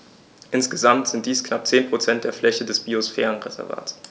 Insgesamt sind dies knapp 10 % der Fläche des Biosphärenreservates.